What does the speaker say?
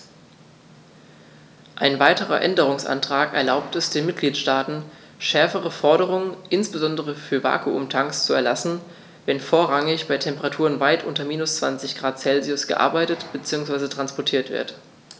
Ein weiterer Änderungsantrag erlaubt es den Mitgliedstaaten, schärfere Forderungen, insbesondere für Vakuumtanks, zu erlassen, wenn vorrangig bei Temperaturen weit unter minus 20º C gearbeitet bzw. transportiert wird.